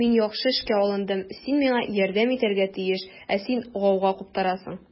Мин яхшы эшкә алындым, син миңа ярдәм итәргә тиеш, ә син гауга куптарасың.